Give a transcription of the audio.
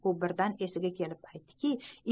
u birdan esiga kelib aytdiki